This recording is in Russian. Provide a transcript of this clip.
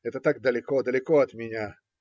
Это так далеко, далеко от меня.